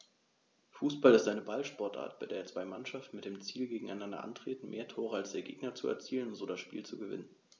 Fußball ist eine Ballsportart, bei der zwei Mannschaften mit dem Ziel gegeneinander antreten, mehr Tore als der Gegner zu erzielen und so das Spiel zu gewinnen.